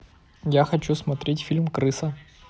я хочу смотреть фильм крыса